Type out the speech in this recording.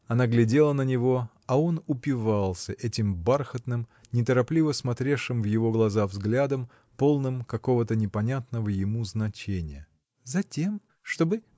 Она глядела на него, а он упивался этим бархатным, неторопливо смотревшим в его глаза взглядом, полным какого-то непонятного ему значения. — Затем. чтобы.